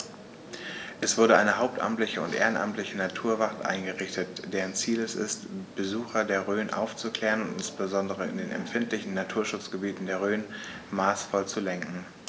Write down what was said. Es wurde eine hauptamtliche und ehrenamtliche Naturwacht eingerichtet, deren Ziel es ist, Besucher der Rhön aufzuklären und insbesondere in den empfindlichen Naturschutzgebieten der Rhön maßvoll zu lenken.